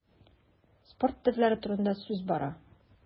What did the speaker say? Спорт төрләре турында сүз бара.